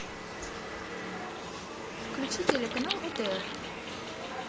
включи телеканал отр